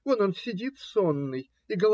Вон он сидит сонный, и.